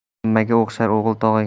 qiz ammaga o'xshar o'g'il tog'aga